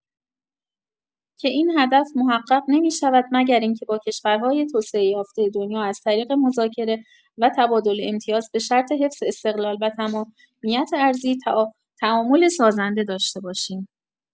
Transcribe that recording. که این هدف محقق نمی‌شود مگر اینکه با کشورهای توسعۀافته دنیا از طریق مذاکره و تبادل امتیاز به شرط حفظ استقلال و تمامیت ارضی تعامل سازنده داشته باشیم.